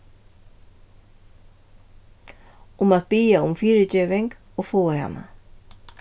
um at biðja um fyrigeving og fáa hana